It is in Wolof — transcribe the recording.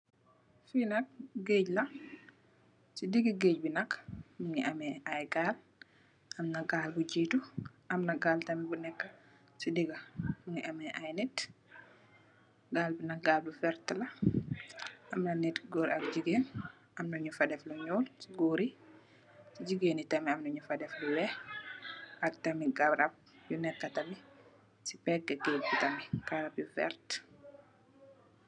Li nak kayit la si digi gejgi nak , mungi ame ay gaal, am na gaal bu jitu, am na gaal tamit bu neka si diga, mingi ame ay nit. Gaal bi nak gaal gu wert la, amna nit ku góor ak jigéen, am na ñu fa def lu ñuol, si gooryi, jigeenyi tamit am an ñu fa def lu weex, ak tamit gawram yu nekk tamit si pegg gej bi, garab yu wert.